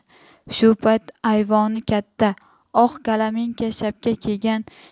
shu payt ayvoni katta oq kalaminka shapka kiygan